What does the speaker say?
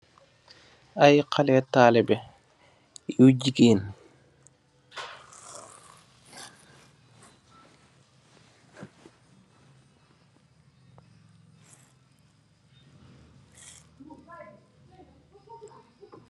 Aye khaleeh talibeh, yu jigain.